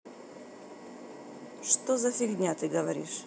что за фигня ты говоришь